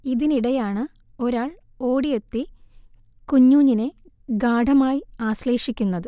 ഇതിനിടെയാണ് ഒരാൾ ഓടിയെത്തി കുഞ്ഞൂഞ്ഞിനെ ഗാഢമായി ആശ്ളേഷിക്കുന്നത്